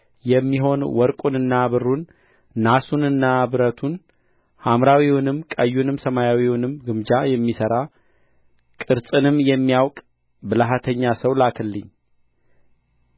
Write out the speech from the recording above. የሚሆን ወርቁንና ብሩን ናሱንና ብረቱን ሐምራዊውንና ቀዩን ሰማያዊውንም ግምጃ የሚሠራ ቅርጽንም የሚያውቅ ብልሃተኛ ሰው ላክልኝ